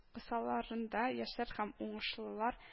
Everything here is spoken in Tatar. Кысаларында, “яшьләр һәм уңышлылар”